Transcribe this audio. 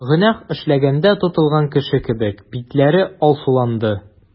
Гөнаһ эшләгәндә тотылган кеше кебек, битләре алсуланды.